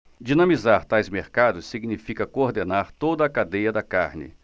dinamizar tais mercados significa coordenar toda a cadeia da carne